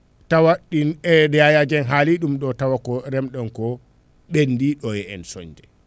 tawa ɗi e Yaya Dieng haali ɗum ɗo tawa ko remɗon ko ɓendi ɗo e en cooñde